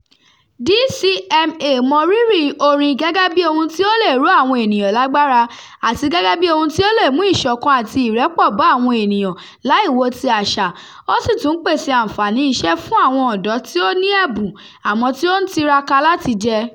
DCMA mọ rírì orin gẹ́gẹ́ bí ohun tí ó leè ró àwọn ènìyàn lágbára àti gẹ́gẹ́ bí ohun tí ó lè mú ìṣọ̀kan àti ìrẹ́pọ̀ bá àwọn ènìyàn láì wo ti àṣà — ó sì tún ń pèsè àǹfààní iṣẹ́ fún àwọn ọ̀dọ́ tí ó ní ẹ̀bùn àmọ́ tí ó ń tiraka láti jẹ.